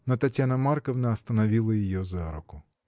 Но Татьяна Марковна остановила ее за руку.